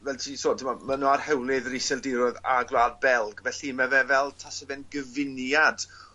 fel ti 'di sôn t'mo' ma' n'w ar hewlydd yr Iseldiroedd a Gwlad Belg felly ma' fe fel tase fe'n gyfuniad